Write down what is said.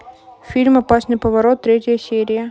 фильм опасный поворот третья серия